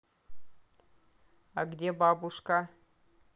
а где бабушка